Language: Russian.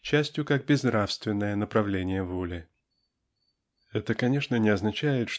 частью как безнравственное направление воли. Это конечно не означает